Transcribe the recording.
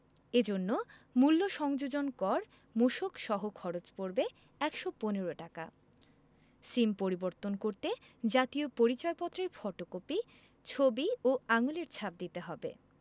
এ জন্য মূল্য সংযোজন কর মূসক সহ খরচ পড়বে ১১৫ টাকা সিম পরিবর্তন করতে জাতীয় পরিচয়পত্রের ফটোকপি ছবি ও আঙুলের ছাপ দিতে হবে